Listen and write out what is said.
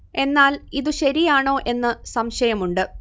എന്നാൽ ഇതു ശരിയാണോ എന്നു സംശയമുണ്ട്